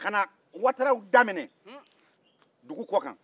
ka na wataraw da minɛ dugu kɔkan